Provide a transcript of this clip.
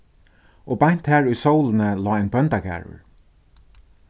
og beint har í sólini lá ein bóndagarður